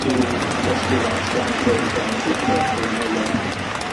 Dwi 'di dysgu lot genna hen genedleth o fy nheulu.